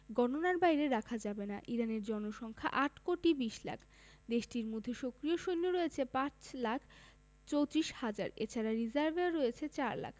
গণনার বাইরে রাখা যাবে না ইরানের জনসংখ্যা ৮ কোটি ২০ লাখ দেশটির সক্রিয় সৈন্য রয়েছে ৫ লাখ ৩৪ হাজার এ ছাড়া রিজার্ভে রয়েছে ৪ লাখ